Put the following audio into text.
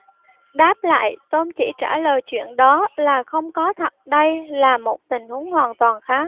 đáp lại tom chỉ trả lời chuyện đó là không có thật đây là một tình huống hoàn toàn khác